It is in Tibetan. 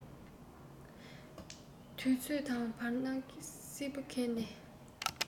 དུས ཚོད དང བར སྣང སིལ བུར གས ནས